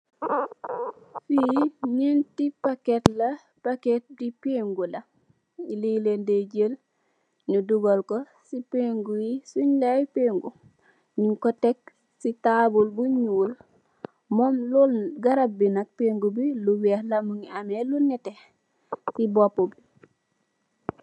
Fi ñènt pakèt la, pakèti pèngu la, li leen dè jël nu dugal ko ci pèngu yi sunn lè pèngu. Nung ko tekk ci taabul bu ñuul. Garab bi nak pèngu bi lu weeh la mungi ameh lu nètè ci boppu bi.